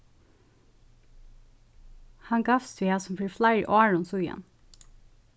hann gavst við hasum fyri fleiri árum síðan